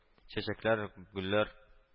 — чәчәкләр, гөлләр